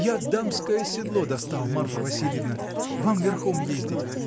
— Я дамское седло достал, Марфа Васильевна: вам верхом ездить